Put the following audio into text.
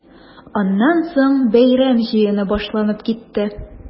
Аннан соң бәйрәм җыены башланып китте.